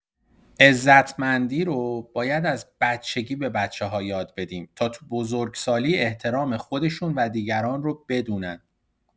عزتمندی رو باید از بچگی به بچه‌ها یاد بدیم تا تو بزرگسالی احترام خودشون و دیگران رو بدونن.